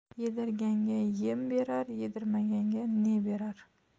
yedirganga yem berar yedirmaganga ne berar